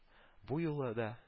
Бу юлы да